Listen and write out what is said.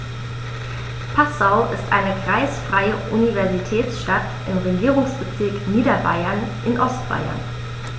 Passau ist eine kreisfreie Universitätsstadt im Regierungsbezirk Niederbayern in Ostbayern.